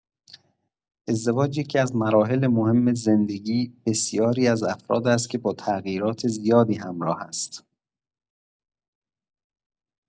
ازدواج یکی‌از مراحل مهم زندگی بسیاری از افراد است که با تغییرات زیادی همراه است.